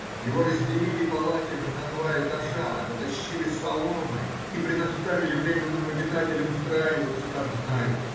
его разделили полатями на два этажа, натащили соломы и предоставили временным обитателям устраиваться, как знают.